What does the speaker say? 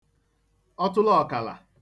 ọtụlụọ̀kàlà